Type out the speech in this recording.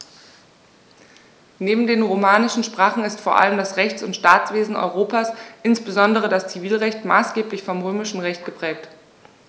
Neben den romanischen Sprachen ist vor allem das Rechts- und Staatswesen Europas, insbesondere das Zivilrecht, maßgeblich vom Römischen Recht geprägt.